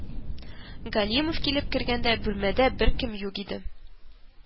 Галимов килеп кергәндә, бүлмәдә беркем юк иде,